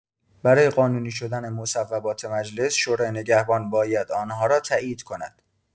برای قانونی شدن مصوبات مجلس، شورای نگهبان باید آنها را تایید کند.